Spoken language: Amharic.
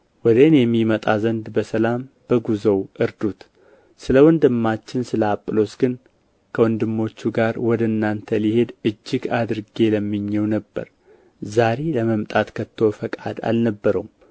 ወደ እኔ ይመጣ ዘንድ በሰላም በጉዞው እርዱት ስለ ወንድማችን ስለ አጵሎስ ግን ከወንድሞቹ ጋር ወደ እናንተ ሊሄድ እጅግ አድርጌ ለምኜው ነበር ዛሬም ለመምጣት ከቶ ፈቃድ አልነበረውም